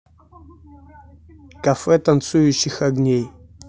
кафе танцующих огней